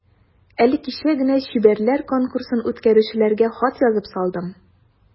Әле кичә генә чибәрләр конкурсын үткәрүчеләргә хат язып салдым.